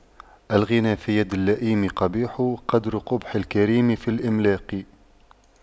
الغنى في يد اللئيم قبيح قدر قبح الكريم في الإملاق